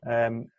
yym